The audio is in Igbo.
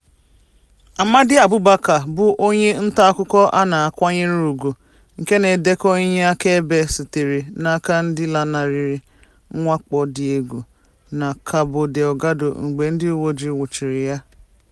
Amade Abubacar bụ onye ntaakụkọ a na-akwanyere ùgwù nke na-edekọ ihe akaebe sitere n'aka ndị lanarịrị mwakpo dị egwu na Cabo Delgado mgbe ndị uweojii nwụchiri ya.